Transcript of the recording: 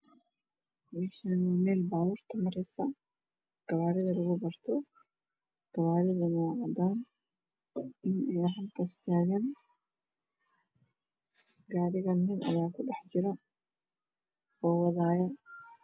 Meshaan waa mel babuur mareeso waa mel gawarida lgu barto gawaaridu waa cadan nin ayaa halkaan tagan gariga nin ayaa ku dhax jiro oo wadaayo